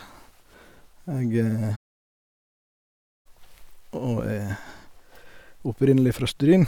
Jeg Og er opprinnelig fra Stryn.